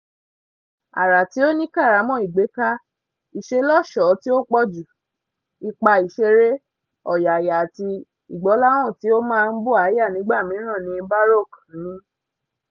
"Àrà tí ó ní kàrámọ̀ ìgbéká, ìṣelọ́ṣọ̀ọ́ tí ó pọ̀jù, ipa ìṣèré, ọ̀yàyà àti ìgbọ́láhàn tí ó máa ń bùáyà nígbà mìíràn ni Baroque ní".